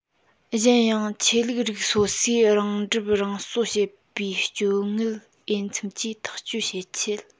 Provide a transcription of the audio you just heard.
གཞན ཡང ཆོས ལུགས རིགས སོ སོས རང སྒྲུབ རང གསོ བྱེད པའི སྤྱོད དངུལ འོས འཚམས ཀྱིས ཐག གཅོད བྱེད ཆེད